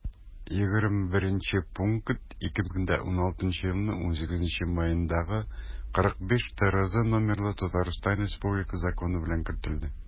21 пункт 2016 елның 18 маендагы 45-трз номерлы татарстан республикасы законы белән кертелде